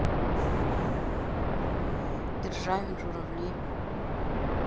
державин журавли